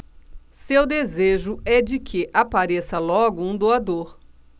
seu desejo é de que apareça logo um doador